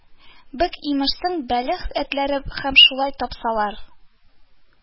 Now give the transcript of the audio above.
Бек, имешсең, бәлех этләре һәм шулай: тапсалар